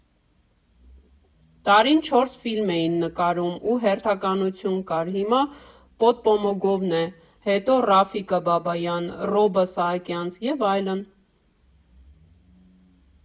Տարին չորս ֆիլմ էին նկարում ու հերթականություն կար՝ հիմա Պոդպոմոգովն է, հետո՝ Ռաֆիկը Բաբայան, Ռոբը Սահակյանց և այլն։